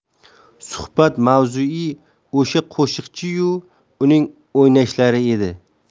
suhbat mavzui o'sha qo'shiqchiyu uning o'ynashlari edi